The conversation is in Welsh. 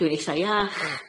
Dwi eitha iach.